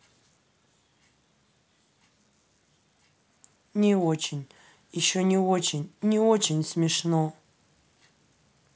не очень еще не очень не очень смешно